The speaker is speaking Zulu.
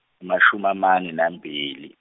mashum' amane nambili.